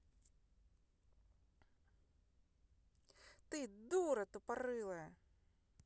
ты дура тупорылая